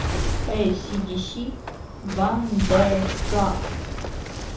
ac dc thunderstruck